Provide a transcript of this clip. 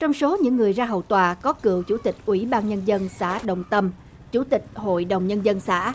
trong số những người ra hầu tòa có cựu chủ tịch ủy ban nhân dân xã đồng tâm chủ tịch hội đồng nhân dân xã